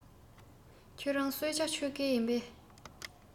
ཁྱོར རང གསོལ ཇ མཆོད ཀས ཡིན པས